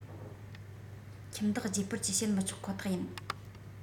ཁྱིམ བདག བརྗེ སྤོར གྱི བྱེད མི ཆོག ཁོ ཐག ཡིན